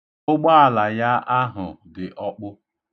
Ụgbaala ya ahụ dị ọkpụ.